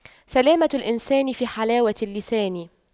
سلامة الإنسان في حلاوة اللسان